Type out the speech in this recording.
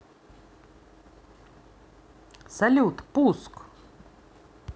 салют пуск